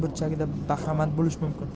burchagida bahramand bo'lish mumkin